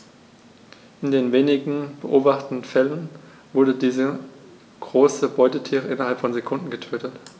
In den wenigen beobachteten Fällen wurden diese großen Beutetiere innerhalb von Sekunden getötet.